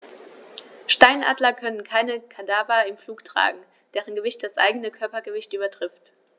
Steinadler können keine Kadaver im Flug tragen, deren Gewicht das eigene Körpergewicht übertrifft.